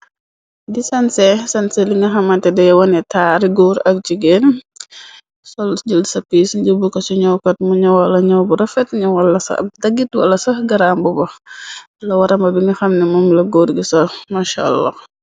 di sansesanse linga xamante dey wone taari góor ak jigeen solu jël sa pis njëbb ko ci ñokot mu ñowala ñow bu rafet ñowalab dagit wala so garambuba la waramba bi ngi xamne moom la góor gi so marchalloh.